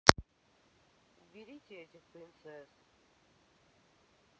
уберите этих принцесс